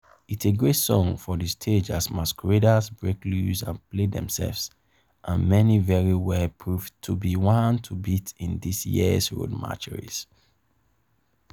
It's a great song for the stage as masqueraders break loose and “play themselves”, and may very well prove to be one to beat in this year's Road March race.